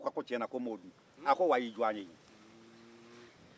a ko tiɲɛ na ko n ma o dun